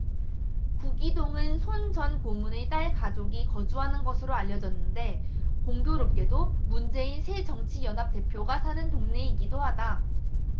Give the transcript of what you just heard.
구기동은 손 전 고문의 딸 가족이 거주하는 것으로 알려졌는데 공교롭게도 문재인 새정치연합 대표가 사는 동네이기도 하다